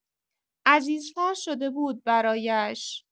عزیزتر شده بود برایش